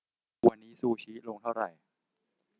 วันนี้ซูชิลงเท่าไหร่